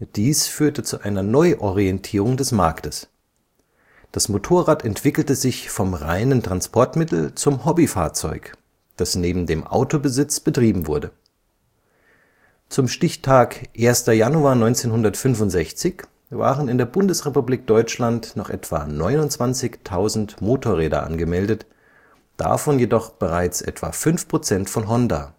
Dies führte zu einer Neuorientierung des Marktes. Das Motorrad entwickelte sich vom reinen Transportmittel zum Hobbyfahrzeug, das neben dem Autobesitz betrieben wurde. Zum Stichtag 1. Januar 1965 waren in der Bundesrepublik Deutschland noch etwa 29.000 Motorräder angemeldet, davon jedoch bereits etwa fünf Prozent von Honda